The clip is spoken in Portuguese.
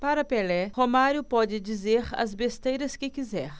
para pelé romário pode dizer as besteiras que quiser